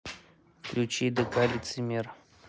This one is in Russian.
включи дк лицемер